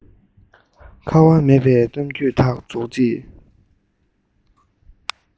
ཁ བ མེད པའི གཏམ རྒྱུད དག རྗོགས རྗེས